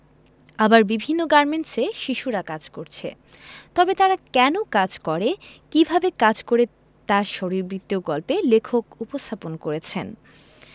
আবার বিভিন্ন গার্মেন্টসে শিশুরা কাজ করছে তবে তারা কেন কাজ করে কিভাবে কাজ করে তা শরীরবৃত্তীয় গল্পে লেখক উপস্থাপন করেছেন